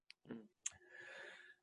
Hmm.